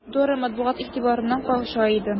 Дора матбугат игътибарыннан кача иде.